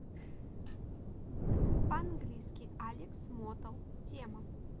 по английски алекс мотол тема